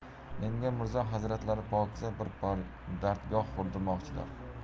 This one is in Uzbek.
menga mirzo hazratlari pokiza bir dargoh qurdirmoqchilar